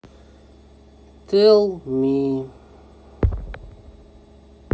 тэлл ми